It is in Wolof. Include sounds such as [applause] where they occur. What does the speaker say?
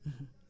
[hesitation] [hesitation]